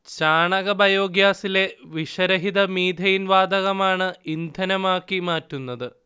ചാണക ബയോഗ്യാസിലെ വിഷരഹിത മീഥെയ്ൻ വാതകമാണ് ഇന്ധനമാക്കി മാറ്റുന്നത്